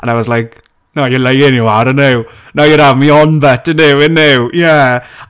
And I was like, no you're lying you are inew. Now you're havin me on butt inew?